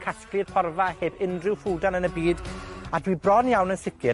casglu y porfa heb unryw ffwdan yn y byd, a dwi bron iawn yn sicir